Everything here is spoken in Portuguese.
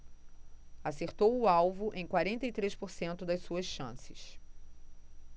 acertou o alvo em quarenta e três por cento das suas chances